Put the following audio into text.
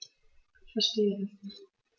Verstehe das nicht.